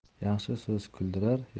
yaxshi so'z kuldirar